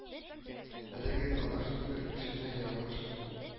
Әлеге таныш түгел кешенең язмышын